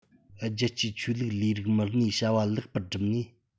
རྒྱལ གཅེས ཆོས ལུགས ལས རིགས མི སྣའི བྱ བ ལེགས པར བསྒྲུབ ནས